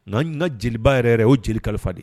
Nka n ka jeliba yɛrɛ yɛrɛ o ye jeli Kalifa de ye